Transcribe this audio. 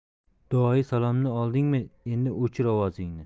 duoyi salomni oldingmi endi o'chir ovozingni